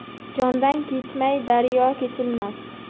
jondan kechmay daryo kechilmas